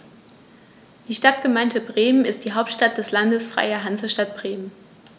Die Stadtgemeinde Bremen ist die Hauptstadt des Landes Freie Hansestadt Bremen.